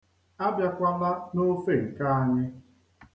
Abịakwala n'ofe nke anyị.